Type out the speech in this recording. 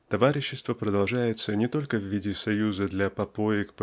товарищество продолжается не только в виде союза для попоек